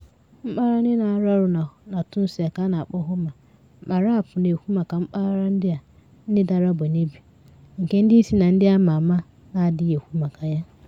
Mpaghara ndị na-arụ ọrụ na Tunisia ka a na-akpọ Houma… Ma raapụ na-ekwu maka mpaghara ndị a ndị dara ogbenye bi, nke ndị isi na ndị ama ama na-adịghị ekwu maka ya.